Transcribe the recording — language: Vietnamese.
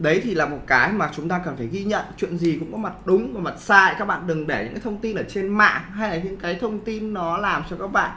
đấy thì là một cái mà chúng ta cần phải ghi nhận chuyện gì cũng có mặt đúng và mặt sai các bạn đừng để những thông tin ở trên mạng hay là những cái thông tin nó làm cho các bạn